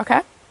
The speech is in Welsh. Oce?